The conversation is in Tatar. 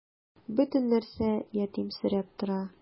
Бөтен нәрсә ятимсерәп тора.